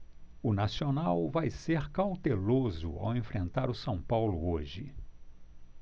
o nacional vai ser cauteloso ao enfrentar o são paulo hoje